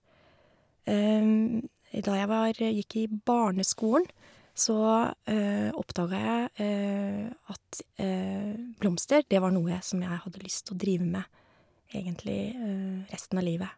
Da jeg var gikk i barneskolen, så oppdaga jeg at blomster, det var noe jeg som jeg hadde lyst å drive med egentlig resten av livet.